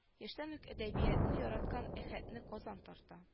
Яшьтән үк әдәбиятны яраткан әхәтне казан тарта